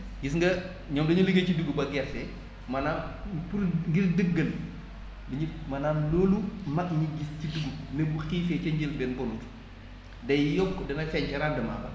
gis nga ñoom li ñu liggéey ci dugub ak gerte maanaam pour ngir dëggal li ñu maanaam loolu mag ñi gis ci dugub ni bu xiifee ca njëlbeen bonut day yokk dana feeñ ca rendement ba